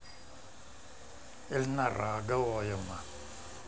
эльнара агалоевна